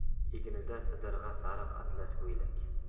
egnida sidirg'a sariq atlas ko'ylak